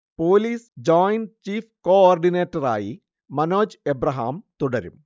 police joint chief coordinator ആയി മനോജ് ഏബ്രഹാം തുടരും